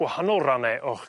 gwahanol ranne o'ch